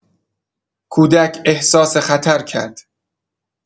کودک احساس خطر کرد.